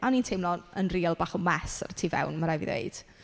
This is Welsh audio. A o'n i'n teimlo'n yn real bach o mess ar y tu fewn ma' raid i fi ddweud.